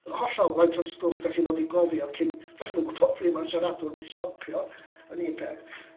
Hollol faint o'r stwff dach chi fod i gofio cyn... Dach chi'm yn gwbod pryd mae'r siaradwr yn mynd i stopio yn un peth.